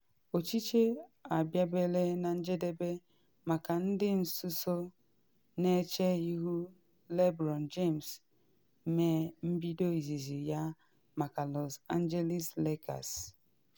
Ọchịche abịabele na njedebe maka ndị nsuso na eche ịhụ LeBron James mee mbido izizi ya maka Los Angeles Lakers.